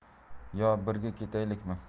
yo birga ketaylikmi